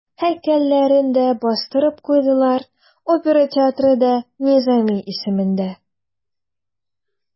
Һәйкәлләрен дә бастырып куйдылар, опера театры да Низами исемендә.